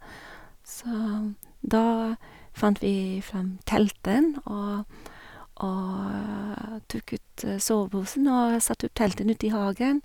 Så da fant vi fram teltet, og og tok ut soveposen og satt ut telten uti hagen.